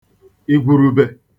ìgwùrùbè